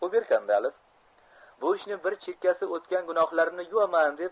ober kandalov bu ishni bir chekkasi o'tgan gunohlarimni yuvaman deb